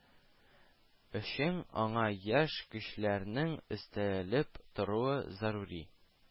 Өчен аңа яшь көчләрнең өстәлеп торуы зарури